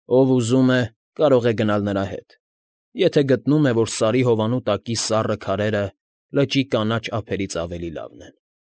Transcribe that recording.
Ով ուզում է, կարող է գնալ նրա հետ, եթե գտնում է, որ Սարի հովանու տակի սառը քարերը լճի կանաչ ափերից ավելի լավն են։